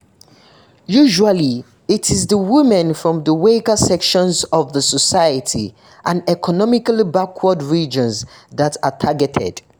Usually, it is the women from the weaker sections of the society and economically backward regions that are targeted.